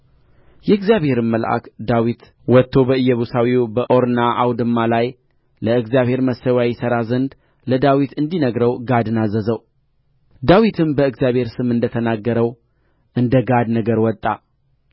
የእግዚአብሔርም መልአክ ዳዊት ወጥቶ በኢያቡሳዊው በኦርና አውድማ ላይ ለእግዚአብሔር መሠዊያ ይሠራ ዘንድ ለዳዊት እንዲነግረው ጋድን አዘዘው ዳዊትም በእግዚአብሔር ስም እንደ ተናገረው እንደ ጋድ ነገር ወጣ